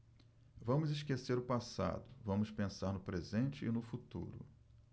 vamos esquecer o passado vamos pensar no presente e no futuro